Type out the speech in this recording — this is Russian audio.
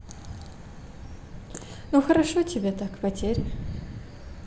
ну хорошо так тебе потери